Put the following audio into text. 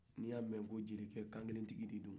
n'i y'a mɛ ko jelikɛ kan kelen tigi dedo